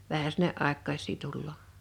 vähän sinne aikuisia tulee